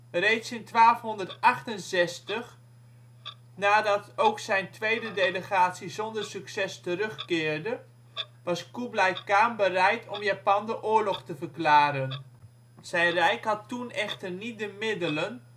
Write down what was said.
Reeds in 1268, nadat ook zijn tweede delegatie zonder succes terugkeerde, was Koeblai Khan bereid om Japan de oorlog te verklaren. Zijn rijk had toen echter niet de middelen